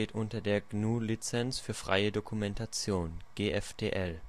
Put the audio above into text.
unter der GNU Lizenz für freie Dokumentation. Datei:Sextant3.jpg Navigator mit Sextant Ein